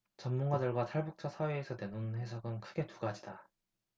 전문가들과 탈북자 사회에서 내놓는 해석은 크게 두 가지다